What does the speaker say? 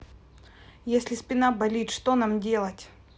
если спина болит что нам делать